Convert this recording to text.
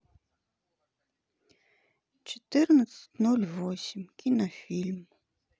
четырнадцать ноль восемь кинофильм